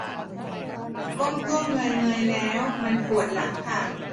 ก้มก้มเงยเงยแล้วมันปวดหลังค่ะ